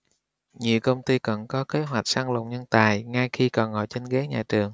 nhiều công ty còn có kế hoạch săn lùng nhân tài ngay khi còn ngồi trên ghế nhà trường